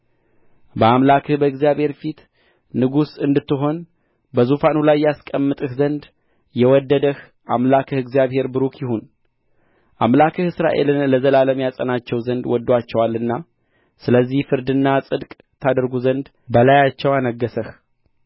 በአምላክህ በእግዚአብሔር ፊት ንጉሥ እንድትሆን በዙፋኑ ላይ ያስቀምጥህ ዘንድ የወደደህ አምላክህ እግዚአብሔር ብሩክ ይሁን አምላክህ እስራኤልን ለዘላለም ያጸናቸው ዘንድ ወድዶአቸዋልና ስለዚህ ፍርድና ጽድቅ ታደርግ ዘንድ በላያቸው አነገሠህ